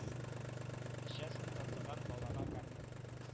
Өчәсен татыган балага гармун